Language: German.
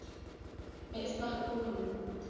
Mir ist nach Kuchen.